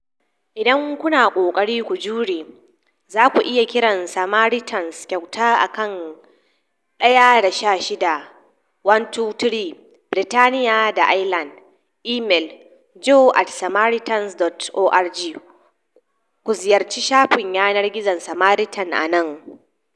Idan kuna ƙoƙari ku jure, za ku iya kiran Samaritans kyauta akan 116 123 (Birtaniya da Ireland), imail jo@samaritans.org, ko ziyarci shafin yanar gizon Samaritan a nan.